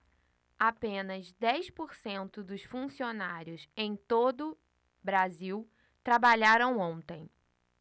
apenas dez por cento dos funcionários em todo brasil trabalharam ontem